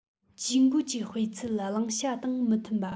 ཇུས འགོད ཀྱི སྤུས ཚད བླང བྱ དང མི མཐུན པ